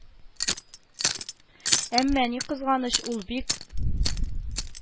Әмма, ни кызганыч, ул бик